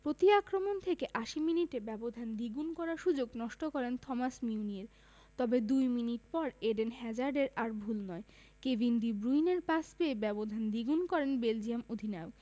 প্রতি আক্রমণ থেকে ৮০ মিনিটে ব্যবধান দ্বিগুণ করার সুযোগ নষ্ট করেন থমাস মিউনিয়ের তবে দুই মিনিট পর এডেন হ্যাজার্ডের আর ভুল নয় কেভিন ডি ব্রুইনের পাস পেয়ে ব্যবধান দ্বিগুণ করেন বেলজিয়ান অধিনায়ক